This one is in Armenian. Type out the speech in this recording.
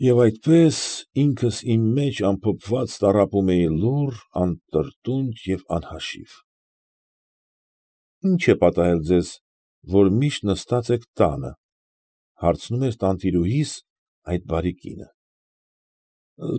Եվ այսպես, ինքս իմ մեջ ամփոփված տառապում էի, լուռ, անտրտունջ և անհաշիվ։ ֊ Ի՞նչ է պատահել ձեզ, որ միշտ նստած եք տանը, ֊ հարցնում էր տանտիրուհիս, այդ բարի կինը։ ֊